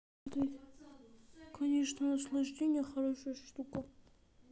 конечно наслаждение хорошая штука